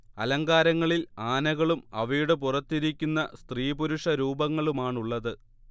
അലങ്കാരങ്ങളിൽ ആനകളും അവയുടെ പുറത്തിരിക്കുന്ന സ്ത്രീപുരുഷ രൂപങ്ങളുമാണുള്ളത്